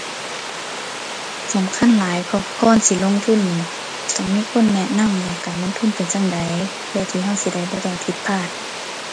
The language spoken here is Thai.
สำคัญหลาย เพราะก่อนสิลงทุนนี่ ต้องมีคนแนะนำว่าการลงทุนเป็นจั่งใด เพื่อที่เราสิได้บ่ต้องผิดพลาด